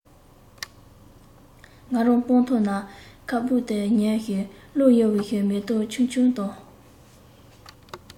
ང རང སྤང ཐང ན ཁ སྦུབ ཏུ ཉལ ཞོགས རླུང གཡོ བའི མེ ཏོག ཆུང ཆུང དང